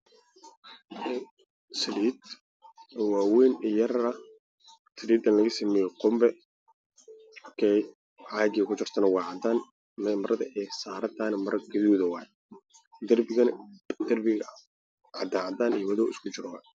Waxaa ii muuqdo caado ay ku jiraan biyo dhalo ah furkoodu yahay caddaan miis ay saaran yihiin